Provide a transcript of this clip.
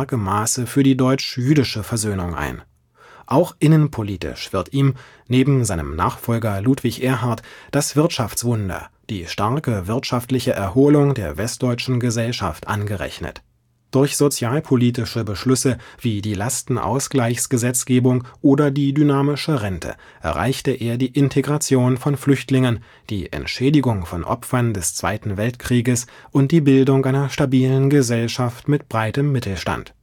Maße für die deutsch-jüdische Versöhnung ein. Auch innenpolitisch wird ihm – neben seinem Nachfolger Ludwig Erhard – das Wirtschaftswunder, die starke wirtschaftliche Erholung der westdeutschen Gesellschaft, angerechnet. Durch sozialpolitische Beschlüsse wie die Lastenausgleichsgesetzgebung oder die dynamische Rente erreichte er die Integration von Flüchtlingen, die Entschädigung von Opfern des Zweiten Weltkrieges und die Bildung einer stabilen Gesellschaft mit breitem Mittelstand